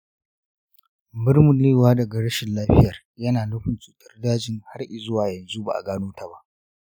murmurewa daga rashin lafiyar yana nufin cutar dajin har izuwa yanxu ba'a gano ta ba.